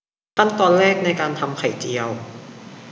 ขั้นตอนแรกในการทำไข่เจียว